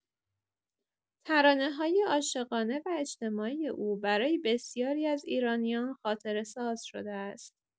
ترانه‌های عاشقانه و اجتماعی او برای بسیاری از ایرانیان خاطره‌ساز شده است.